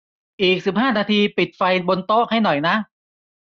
อีกสิบห้านาทีปิดไฟบนโต๊ะให้หน่อยนะ